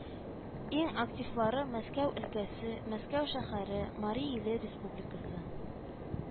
Иң активлары Мәскәү өлкәсе, Мәскәү шәһәре, Мари иле республикасы